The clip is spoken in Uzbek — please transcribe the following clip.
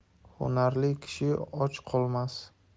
hunarli kishi och qolmas